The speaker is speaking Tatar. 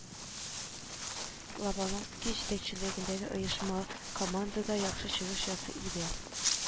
Лобановский җитәкчелегендәге оешма команда да яхшы чыгыш ясый иде